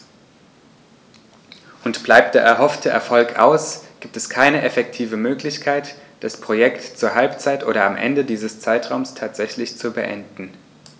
Und bleibt der erhoffte Erfolg aus, gibt es keine effektive Möglichkeit, das Projekt zur Halbzeit oder am Ende dieses Zeitraums tatsächlich zu beenden.